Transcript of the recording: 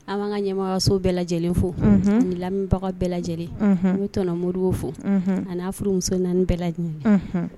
An b'an ka ɲɛmaso bɛɛ lajɛlen fo ni lamɛnmibagaw bɛɛ lajɛlen n t mori o fo ani n'a furumuso naani bɛɛ